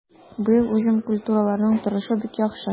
Быел уҗым культураларының торышы бик яхшы.